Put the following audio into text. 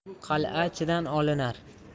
qal'a ichidan olinar